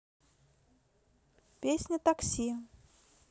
песня такси